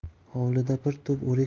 hovlidagi bir tup o'rik